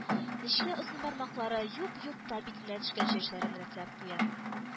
Нечкә озын бармаклары юк-юк та битенә төшкән чәчләрен рәтләп куя